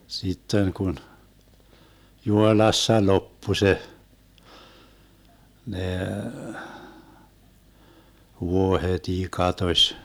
sitten kun Juhoilassa loppui se ne vuohetkin katosi